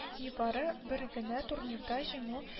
Нибары бер генә турнирда җиңү